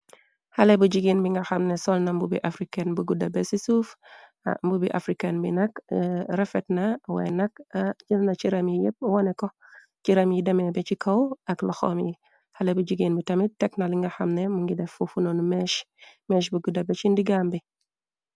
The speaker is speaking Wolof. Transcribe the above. Xale bu jigeen bi nga xamne solna mbubi africain bu gudda be ci suuf, mbubi africain bi nak refetna way nak, jëlna ciram yi yépp wone ko, ciram yi demee bi ci kaw ak loxoom yi, xale bu jigeen bi tamit tekkna linga xamne mungi def fufunoonu meec, bu gudda be ci ndigaam bi.